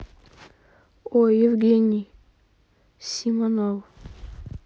о евгении симоновой